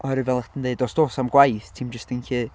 Oherwydd fel o'ch chdi'n dweud, os does 'na'm gwaith, ti'm jyst yn gallu...